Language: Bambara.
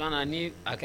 Ni kɛ